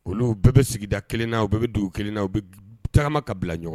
Olu bɛɛ bɛ sigida kelen na u bɛɛ bɛ dugu kelen na u bɛ taama ka bila ɲɔgɔn